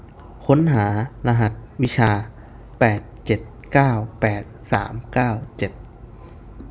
ค้นหารหัสวิชาแปดเจ็ดเก้าแปดสามเก้าเจ็ด